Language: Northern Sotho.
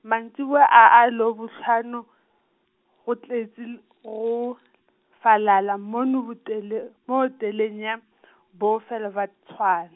mantšiboa a a Labohlano, go tletše l-, go, falala mono hotele, mo hoteleng ya , Bovelevad- Tšhwan-.